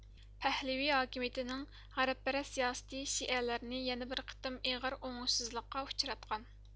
پەھلىۋى ھاكىمىيىتىنىڭ غەربپەرەس سىياسىتى شىئەلەرنى يەنە بىر قېتىم ئېغىر ئوڭۇشسىزلىققا ئۇچراتقان